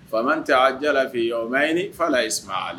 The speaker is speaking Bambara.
Faama ta ja lafi yɔrɔ mɛ ɲini faa la ye suma ale